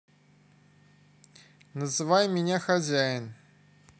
называй меня хозяин